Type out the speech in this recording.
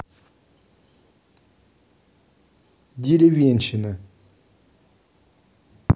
деревенщина